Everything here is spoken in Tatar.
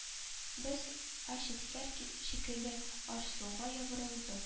Без ач этләр шикелле аш-суга ябырылдык